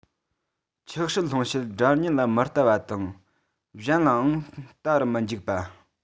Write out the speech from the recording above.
ཆགས སྲེད སློང བྱེད སྒྲ བརྙན ལ མི བལྟ བ དང གཞན ལའང བལྟ རུ མི འཇུག པ